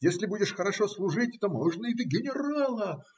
если будешь хорошо служить, то можно и до генерала.